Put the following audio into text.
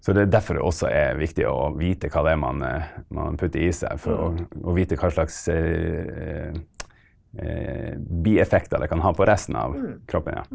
så det derfor det også er viktig å vite hva det er man man putter i seg for å å vite hva slags bieffekter det kan ha på resten av kroppen, ja.